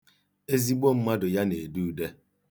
Ezigbo mmadụ ya na-ede ude.